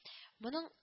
Моның